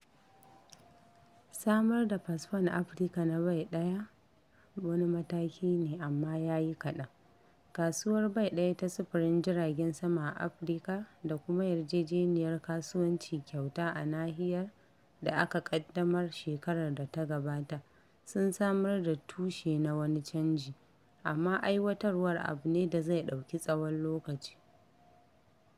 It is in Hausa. Samar da fasfon Afirka na bai ɗaya wani mataki ne - amma ya yi kaɗan. Kasuwar Bai ɗaya ta Sufurin Jiragen Sama a Afirka da kuma Yarjejeniyar Kasuwanci Kyauta a Nahiyar da aka ƙaddamar shekarar da ta gabata sun samar da tushe na wannan canji, amma aiwatarwar abu ne da zai ɗauki tsahon lokaci.